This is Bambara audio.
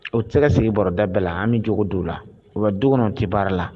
O tɛ ka segin bɔrada bɛɛ la an bɛ jo don la u dukɔnɔ tɛ baara la